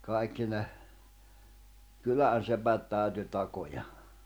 kaikki ne kylän sepät täytyi takoa